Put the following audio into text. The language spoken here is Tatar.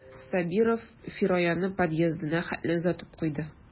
Сабиров Фираяны подъездына хәтле озатып куйды.